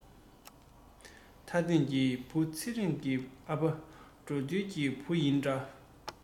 ད ཐེངས ཀྱི བུ ཚེ རིང གི ཨ ཕ དགྲ འདུལ གྱི བུ ཡི འདྲ